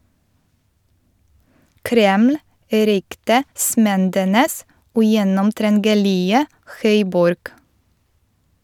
Kreml - ryktesmedenes ugjennomtrengelige høyborg.